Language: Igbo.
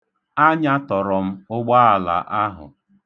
Anyatọrọ m ụgbaala ahụ.